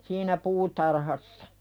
siinä puutarhassa